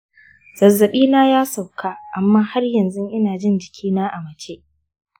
zazzaɓina ya sauka amma har yanzu ina jin jikin a mace.